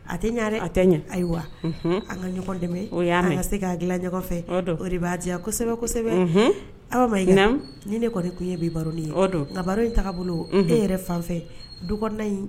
A tɛ ɲan dɛ, a tɛ ɲan, ayiwa, an ka ɲɔgɔn dɛmɛ, unhun, n y'a mɛn, an ka se k'a dilan ɲɔgɔn fɛ, o de b'a diya kosɛbɛ, kosɛbɛ, Awa Mayiga nin de kɔni tun ye bi baro ye , o don, nka baro in taa bolo, e yɛrɛ fanfɛ dukɔnna in